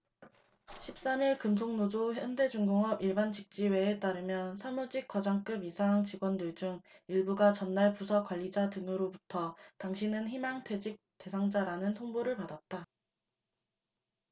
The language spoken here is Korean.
십 삼 일 금속노조 현대중공업 일반직지회에 따르면 사무직 과장급 이상 직원들 중 일부가 전날 부서 관리자 등으로부터 당신은 희망퇴직 대상자라는 통보를 받았다